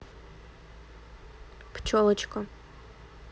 пчелочка